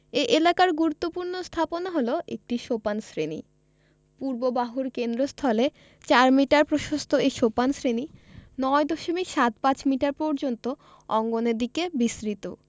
এ এলাকার গুরুত্বপূর্ণ স্থাপনা হলো একটি সোপান শ্রেণি পূর্ব বাহুর কেন্দ্রস্থলে ৪ মিটার প্রশস্ত এ সোপান শ্রেণি ৯ দশমিক সাত পাঁচ মিটার পর্যন্ত অঙ্গনের দিকে বিস্তৃত